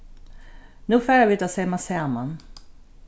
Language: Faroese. nú fara vit at seyma saman